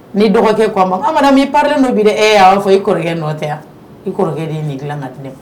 Ni' dɔgɔkɛ k'a ma n ka madamu i pari len don bi dɛ! ɛɛ a b'a fɔ i kɔrɔkɛ nɔ tɛ wa! I kɔrɔkɛ de ye nini dilan ka di ne ma!